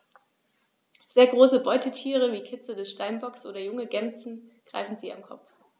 Sehr große Beutetiere wie Kitze des Steinbocks oder junge Gämsen greifen sie am Kopf.